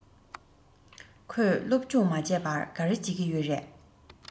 ཁོས སློབ སྦྱོང མ བྱས པར ག རེ བྱེད ཀྱི ཡོད རས